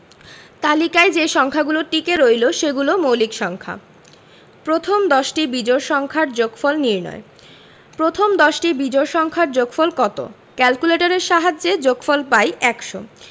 তালিকায় যে সংখ্যাগুলো টিকে রইল সেগুলো মৌলিক সংখ্যা প্রথম দশটি বিজোড় সংখ্যার যোগফল নির্ণয় প্রথম দশটি বিজোড় সংখ্যার যোগফল কত ক্যালকুলেটরের সাহায্যে যোগফল পাই ১০০